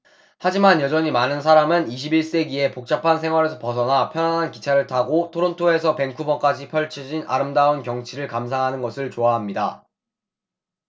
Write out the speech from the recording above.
하지만 여전히 많은 사람은 이십 일 세기의 복잡한 생활에서 벗어나 편안한 기차를 타고 토론토에서 밴쿠버까지 펼쳐진 아름다운 경치를 감상하는 것을 좋아합니다